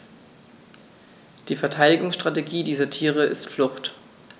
Die Verteidigungsstrategie dieser Tiere ist Flucht.